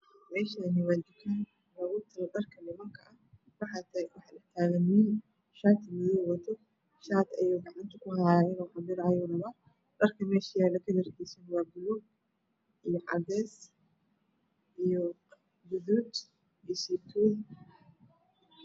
Meeshaani waa tukaan lagu gado dharka nimanka waxaa taagan nin shaati madow wato shaati ayuu gacanta ku hayaa dharka meesha yaalo kalarkiisa waa cadays iyo guduud iyo saytuun